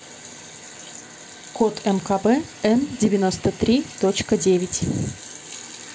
код мкб н девяносто три точка девять